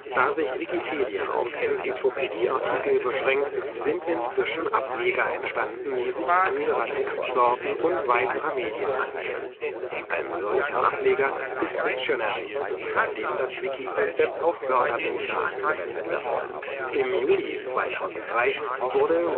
Da sich Wikipedia auf Enzyklopädieartikel beschränkt, sind inzwischen Ableger entstanden, die sich anderer Textsorten und weiterer Medien annehmen. Ein solcher Ableger ist Wiktionary, bei dem das Wiki-Konzept auf Wörterbücher angewendet wird. Im Juli 2003 wurde